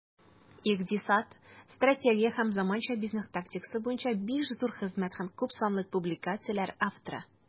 Икътисад, стратегия һәм заманча бизнес тактикасы буенча 5 зур хезмәт һәм күпсанлы публикацияләр авторы.